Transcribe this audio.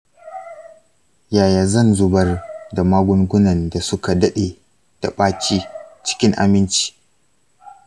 yaya zan zubar da magungunan da suka dade da ɓaci cikin aminci?